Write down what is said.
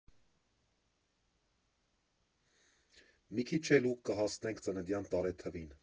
Մի քիչ էլ ու կհասնենք ծննդյան տարեթվին…